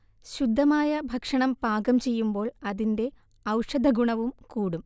ശുദ്ധമായ ഭക്ഷണം പാകം ചെയ്യുമ്പോൾ അതിന്റെ ഔഷധഗുണവും കൂടും